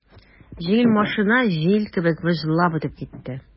Җиңел машина җил кебек выжлап үтеп китте.